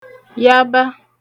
yaba